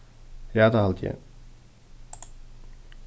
ja tað haldi eg